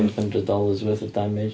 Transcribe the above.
five hundred dollars worth of damage.